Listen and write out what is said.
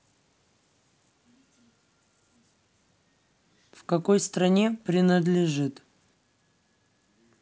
в какой стране принадлежит